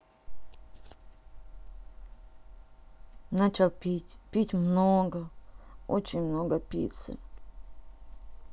начала пить пить много очень много пиццы